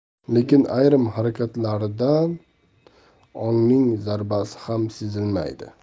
lekin ayrim harakatlarida ongning zarrasi ham sezilmaydi